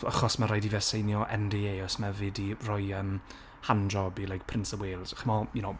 Achos ma' raid i fe seinio NDA os ma' fe 'di roi, yym, handjob i like Prince of Wales. Chimod?